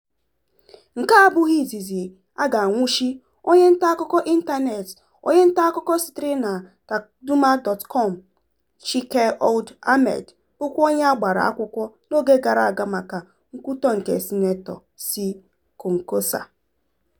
Nke a abụghị izizi a ga-anwụchi onye ntaakụkọ ịntaneetị, onye ntaakụkọ sitere na Taqadoumy.com, Cheikh Ould Ahmed, bụkwa onye a gbara akwụkwọ n'oge gara aga maka nkwutọ nke Sinetọ si Kankossa.